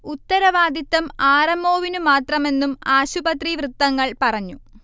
ഉത്തരവാദിത്തം R. M. ഒവിനു മാത്രമെന്നും ആശുപത്രി വൃത്തങ്ങൾ പറഞ്ഞു